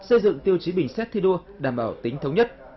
xây dựng tiêu chí bình xét thi đua đảm bảo tính thống nhất